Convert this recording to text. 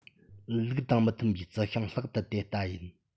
ལུགས དང མི མཐུན པའི རྩི ཤིང ལྷག ཏུ དེ ལྟ ཡིན